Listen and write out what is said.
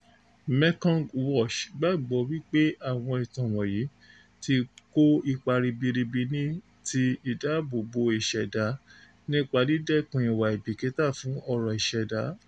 Mekong Watch gbàgbọ́ wípé àwọn ìtàn wọ̀nyí "ti kó ipa ribiribi ní ti ìdáàbò ìṣẹ̀dá nípa dídẹ́kun ìwà àìbìkítà fún ọrọ̀ ìṣẹ̀dá."